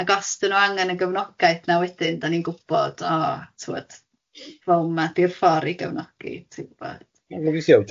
ac os dy nhw angen y gefnogaeth yna wedyn dan ni'n gwybod o timod fel ma' di'r ffordd i gefnogi ti'n gwybod.